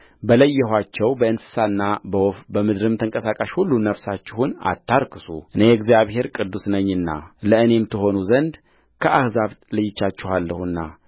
በለየኋቸው በእንስሳና በወፍ በምድርም ተንቀሳቃሽ ሁሉ ነፍሳችሁን አታርክሱእኔ እግዚአብሔር ቅዱስ ነኝና ለእኔም ትሆኑ ዘንድ ከአሕዛብ ለይቻችኋለሁና